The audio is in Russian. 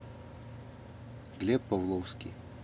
глеб павловский